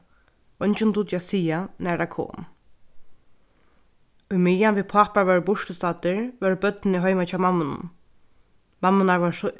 eingin dugdi at siga nær tað kom ímeðan vit pápar vóru burturstaddir vóru børnini heima hjá mammunum mammurnar vóru so